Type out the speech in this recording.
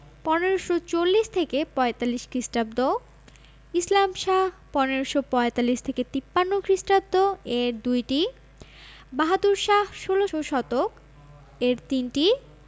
১৫৪০ থেকে ৪৫ খ্রিটাব্দ ইসলাম শাহ ১৫৪৫ থেকে ৫৩ খ্রিটাব্দ এর দুইটি বাহাদুর শাহ ১৬শ শতক এর তিনটি